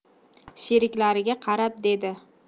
sheriklariga qarab dedi